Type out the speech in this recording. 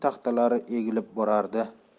taxtalari egilib borardi